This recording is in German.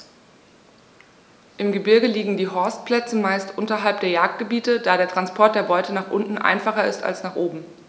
Im Gebirge liegen die Horstplätze meist unterhalb der Jagdgebiete, da der Transport der Beute nach unten einfacher ist als nach oben.